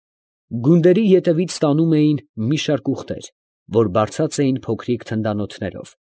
Գունդերի ետևից տանում էին մի շարք ուղտեր, որ բարձած էին փոքրիկ թնդանոթներով։